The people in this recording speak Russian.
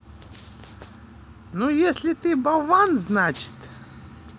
ну если ты болван значит